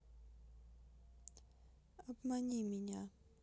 обмани меня